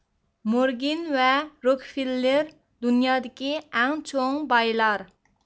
مورگىن ۋە روكفىللىر دۇنيادىكى ئەڭ چوڭ بايلار